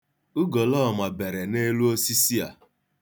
Ugolọọma bere n'elu osisi a.